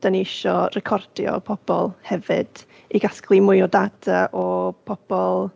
Dan ni isio recordio pobl hefyd i gasglu mwy o data o pobl